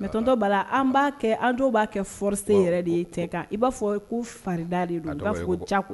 Mɛ tɔntɔ bala an b'a kɛ an b'a kɛ fsen yɛrɛ de ye tɛ kan i b'a fɔ ko farida de i b'a ko ja koyi